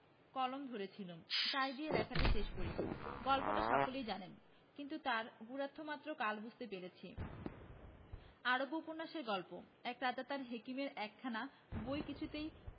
কলম ধরেছিলুম তাই দিয়ে লেখাটা শেষ করি গল্পটা সকলেই জানেন কিন্তু তার গূঢ়ার্থ মাত্র কাল বুঝতে পেরেছি আরব্যোপন্যাসের গল্প এক রাজা তাঁর হেকিমের একখানা বই কিছুতেই